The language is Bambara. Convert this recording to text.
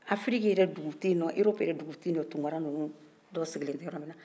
afiriki yɛrɛ dugu tɛ yen nɔ erɔpu yɛrɛ dugu tɛ yen nɔ tunkara ninnuw sigilen tɛ yɔrɔ min na